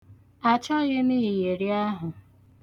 Achọghị m iyeri ahụ.